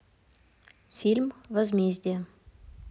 фильм возмездие